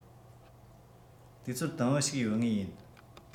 དུས ཚོད དུམ བུ ཞིག ཡོད ངེས ཡིན